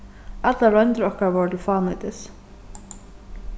allar royndir okkara vóru til fánýtis